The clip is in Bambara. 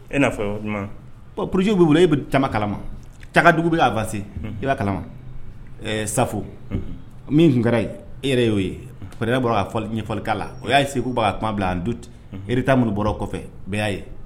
E n'a fɔ mun, bon projets bɛ e bolo e bɛ caman kalama Cagadugu bɛ ka avancer i b'a kalama, Safo min tun kɛra yen, e yɛrɛ y'o ye, président bɔra ka ɲɛfɔli k'a la, u y'a essayer k'u bɛ k'a kuma bila en doute, résultat min bɔra o kɔfɛ bɛɛ y'a ye